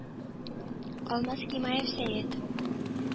Алмаз Гыймаев Сәет